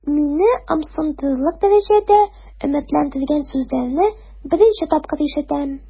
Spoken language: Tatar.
Мине ымсындырырлык дәрәҗәдә өметләндергән сүзләрне беренче тапкыр ишетәм.